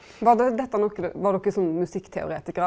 var dette noko var dokker sånn musikkteoretikarar?